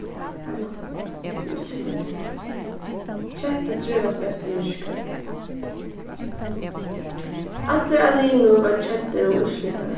ein lampa sum ikki lýsir kettur trívast best í myrkri allir á liðnum vóru keddir um úrslitið